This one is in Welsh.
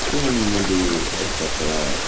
'Di hwn ddim mynd i edrych yn dda.